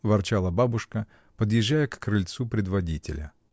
— ворчала бабушка, подъезжая к крыльцу предводителя.